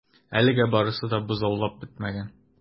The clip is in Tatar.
Әлегә барысы да бозаулап бетмәгән.